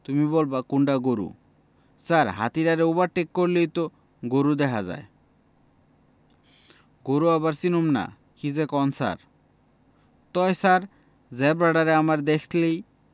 তুমি বলবা কোনডা গরু ছার হাতিডারে ওভারটেক করলেই তো গরু দেহা যায় গরু আবার চিনুম না কি যে কন ছার তয় ছার জেব্রাডারে আমার দেখলেই